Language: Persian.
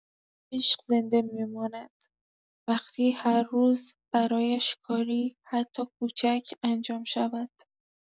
عشق زنده می‌ماند وقتی هر روز برایش کاری، حتی کوچک، انجام شود.